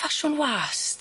Ffasiwn wast.